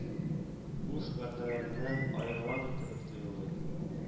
Буш вәгъдәләреннән аерыладыр кебек тоелды